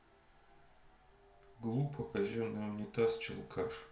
глупо казенный унитаз челкаш